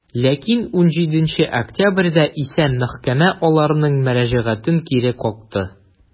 Ләкин 17 октябрьдә исә мәхкәмә аларның мөрәҗәгатен кире какты.